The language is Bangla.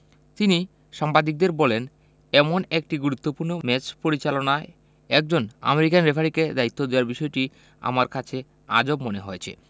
তিনি সাংবাদিকদের বলেন এমন একটি গুরুত্বপূর্ণ ম্যাচ পরিচালনায় একজন আমেরিকান রেফারিকে দায়িত্ব দেয়ার বিষয়টি আমার কাছে আজব মনে হয়েছে